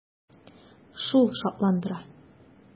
Шул шатландыра.